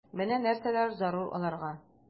Менә нәрсәләр зарур аларга...